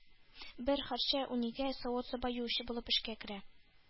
Бер хэрчэүнигә савыт-саба юучы булып эшкә керә.